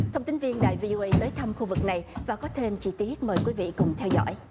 thông tấn viên đài vi ô ây tới thăm khu vực này và có thêm chi tiết mời quý vị cùng theo dõi